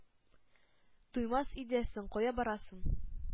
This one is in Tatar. Туймас иде дә соң, кая барсын?